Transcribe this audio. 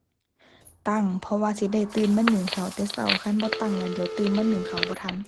ตั้ง เพราะว่าสิได้ตื่นมานึ่งข้าวแต่เช้า คันบ่ตั้งแล้วเดี๋ยวตื่นมานึ่งข้าวบ่ทัน